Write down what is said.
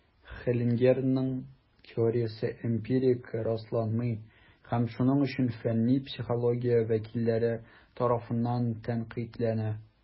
Хеллингерның теориясе эмпирик расланмый, һәм шуның өчен фәнни психология вәкилләре тарафыннан тәнкыйтьләнә.